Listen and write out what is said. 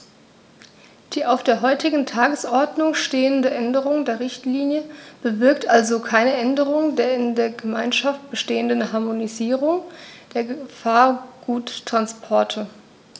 Die auf der heutigen Tagesordnung stehende Änderung der Richtlinie bewirkt also keine Änderung der in der Gemeinschaft bestehenden Harmonisierung der Gefahrguttransporte.